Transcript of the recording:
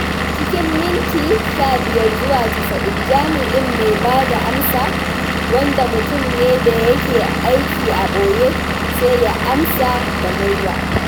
Cikin minti 15 zuwa 90, 'jami'in mai ba da amsa' (wanda mutum ne da yake aiki a ɓoye) sai ya amsa da murya.